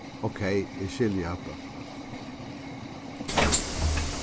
ókey eg skilji hatta